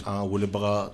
An' welebagaa